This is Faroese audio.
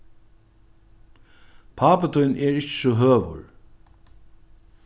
pápi tín er ikki so høgur